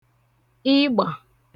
ịgbà